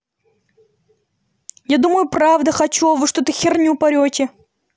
я думаю правда хочу а вы что то херню порете